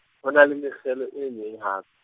Ho na le mekgelo e meng hape.